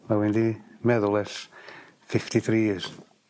Ma' 'ywun 'di meddwl ers fifty three years